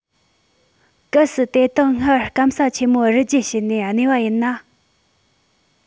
གལ སྲིད དེ དག སྔར སྐམ ས ཆེན མོའི རི རྒྱུད བྱས ནས གནས པ ཡིན ན